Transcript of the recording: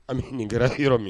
An nin kɛra h yɔrɔ min